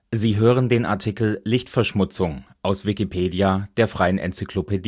Sie hören den Artikel Lichtverschmutzung, aus Wikipedia, der freien Enzyklopädie